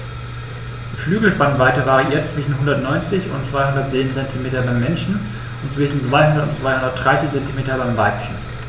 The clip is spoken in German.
Die Flügelspannweite variiert zwischen 190 und 210 cm beim Männchen und zwischen 200 und 230 cm beim Weibchen.